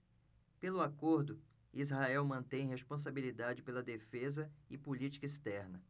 pelo acordo israel mantém responsabilidade pela defesa e política externa